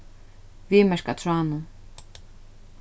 viðmerk á tráðnum